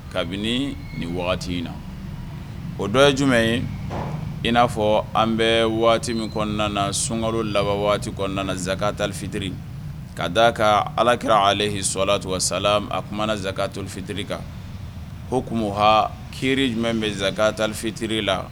Kabini ni in na o dɔ ye jumɛn ye in n'afɔ an bɛ waati min kɔnɔna na sunka laban kɔnɔna zanaka ta fitiri ka d daa ka alaki aleyi sɔla sala a kumaumana na zanaka to fitiri kan ko kumaumu ha ki jumɛn bɛ zia ta fitiri la